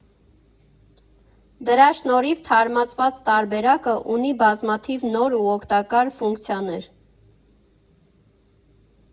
Դրա շնորհիվ թարմացված տարբերակը ունի բազմաթիվ նոր ու օգտակար ֆունկցիաներ։